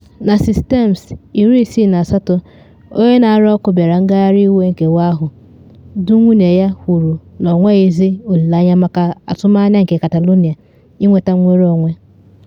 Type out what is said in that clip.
Narcis Termes, 68, onye na arụ ọkụ bịara ngagharị iwe nkewa ahụ du nwunye ya kwuru na ọ nweghịzị olile anya maka atụmanya nke Catalonia ịnweta nnwere onwe.